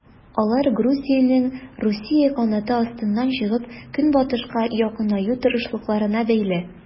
Алар Грузиянең Русия канаты астыннан чыгып, Көнбатышка якынаю тырышлыкларына бәйле.